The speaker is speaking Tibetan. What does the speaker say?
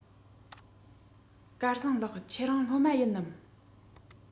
སྐལ བཟང ལགས ཁྱེད རང སློབ མ ཡིན ནམ